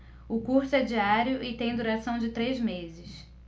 o curso é diário e tem duração de três meses